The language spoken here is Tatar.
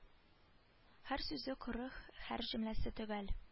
Һәр сүзе коры һәр җөмләсе төгәл